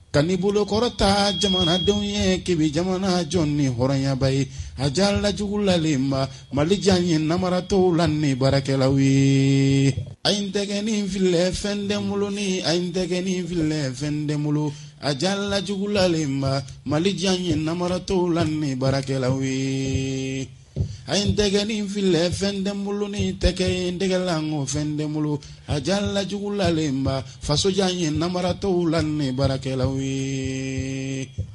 Ka bolokɔrɔta jamanadenw ye kɛmɛ jamana jɔ ni hɔrɔnyaba ye ajalaj jugulalenba malijan ye namara tɔw la ni baarakɛla ye a ye tɛ fili fɛn denɛnin a tɛ nin fɛn denɛn bolo a jalalajugulalen inba malijan ye naratɔ la ni baarakɛla ye a ye tɛgɛnen fili fɛn denɛn bolo ni tɛgɛ in dɛlakɔ fɛn den bolo a jalala jugulalen inba fasojan ye naratɔ la ni baarakɛla ye